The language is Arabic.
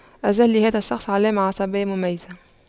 أجل لهذا الشخص علامة عصبية مميزة